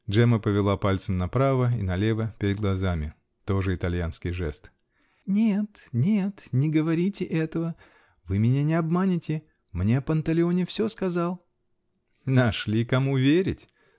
Джемма повела пальцем направо и налево перед глазами. Тоже итальянскии жест. -- Нет! нет! не говорите этого! Вы меня не обманете! Мне Панталеоне все сказал! -- Нашли кому верить!